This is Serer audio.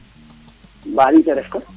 wani cegelof